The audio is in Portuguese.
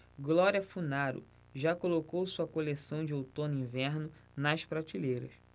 glória funaro já colocou sua coleção de outono-inverno nas prateleiras